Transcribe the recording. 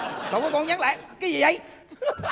con nhắn lại cái gì vậy